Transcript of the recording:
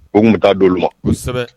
O bɛ taa don ma kosɛbɛ